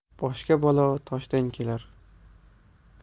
boshga balo toshdan kelar